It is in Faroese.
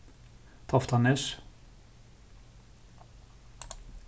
toftanes